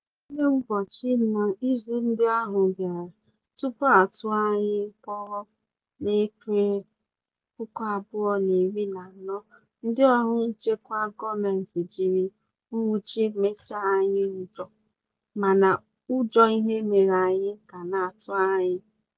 N’ime ụbọchị na izu ndị ahụ bịara tupu a tụọ anyị mkpọrọ n’Eprel 2014, ndịọrụ nchekwa gọọmenti jiri nnwuchi mejaa anyị ụjọ, mana ụjọ ihe mere anyị ka na-atụ anyị.